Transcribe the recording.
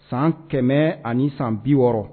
San kɛmɛ 160